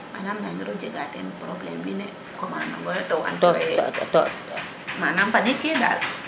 manaam nangiro jega teen probleme winw commande nongoyoto manaam fadiid ke dal